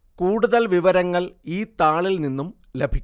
കൂടുതല്‍ വിവരങ്ങാള്‍ ഈ താളില്‍ നിന്നും ലഭിക്കും